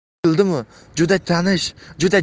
keldimu juda tanish juda